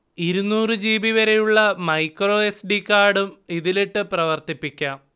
ഇരുന്നൂറ് ജിബി വരെയുളള micro S. D. കാർഡും ഇതിലിട്ട് പ്രവർത്തിപ്പിക്കാം